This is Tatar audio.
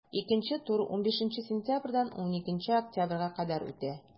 Икенче тур 15 сентябрьдән 12 октябрьгә кадәр үтә.